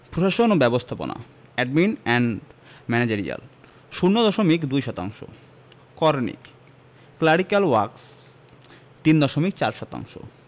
প্রশাসন ও ব্যবস্থাপনা এডমিন এন্ড ম্যানেজেরিয়াল ০ দশমিক ২ শতাংশ করণিক ক্ল্যারিক্যাল ওয়ার্ক্স ৩ দশমিক ৪ শতাংশ